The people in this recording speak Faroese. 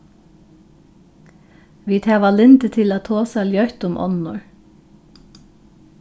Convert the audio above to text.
vit hava lyndi til at tosa ljótt um onnur